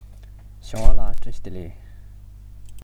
ཞའོ ཝང ལགས བཀྲ ཤིས བདེ ལེགས